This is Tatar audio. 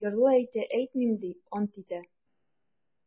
Ярлы әйтә: - әйтмим, - ди, ант итә.